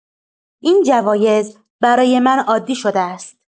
این جوایز برای من عادی شده است.